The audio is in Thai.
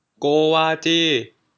โกวาจี